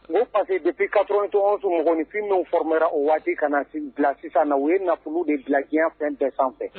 O ye _parce que depûis 91 mɔgɔninfin minnu forme ra o waati ka n'a se bila sisan na, u ye nafolo de bila diɲɛ fɛn bɛɛ sanfɛ.